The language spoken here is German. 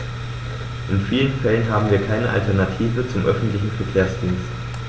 In vielen Fällen haben wir keine Alternative zum öffentlichen Verkehrsdienst.